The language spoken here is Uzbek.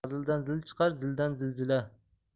hazildan zil chiqar zildan zilzila